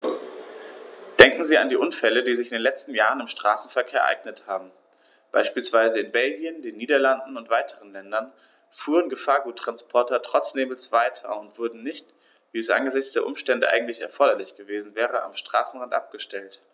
Denken Sie an die Unfälle, die sich in den letzten Jahren im Straßenverkehr ereignet haben. Beispielsweise in Belgien, den Niederlanden und weiteren Ländern fuhren Gefahrguttransporter trotz Nebels weiter und wurden nicht, wie es angesichts der Umstände eigentlich erforderlich gewesen wäre, am Straßenrand abgestellt.